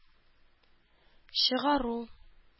Чыгару